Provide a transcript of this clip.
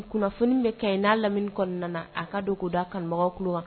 Kunnafoni bɛ kɛ n'a lamini kɔnɔna na a ka don ko da kanumɔgɔ ku la